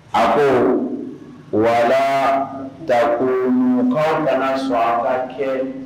A ko wala dagomɔgɔw nana su a ka kɛ